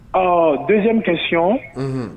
Ɔ dɛsɛ min bɛ kɛ siɔn